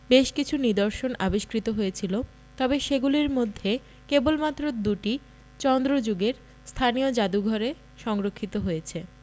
বেশ কিছু নিদর্শন আবিষ্কৃত হয়েছিল তবে সেগুলির মধ্যে কেবলমাত্র দুটি চন্দ্র যুগের স্থানীয় জাদুঘরে সংরক্ষিত হয়েছে